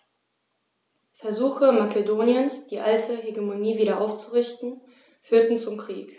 Versuche Makedoniens, die alte Hegemonie wieder aufzurichten, führten zum Krieg.